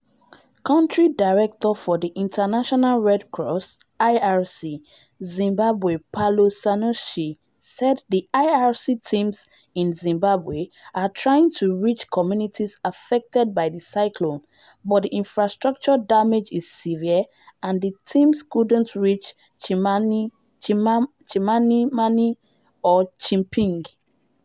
Country director for the International Red Cross (IRC) Zimbabwe Paolo Cernuschi said the IRC teams in Zimbabwe are trying to reach communities affected by the cyclone but the infrastructure damage is severe and the teams couldn't reach Chimanimani or Chipinge.